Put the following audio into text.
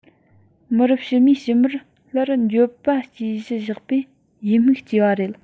མི རབས ཕྱི མའི ཕྱི མར སླར འགྱོད པ སྐྱེ གཞི བཞག པས ཡིད མུག སྐྱེས པ རེད